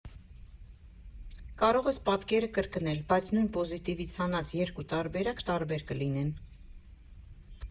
Կարող ես պատկերը կրկնել, բայց նույն պոզիտիվից հանած երկու տարբերակ տարբեր կլինեն»։